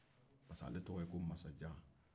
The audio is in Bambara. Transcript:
pariseke ale tɔgɔ ye ko masajan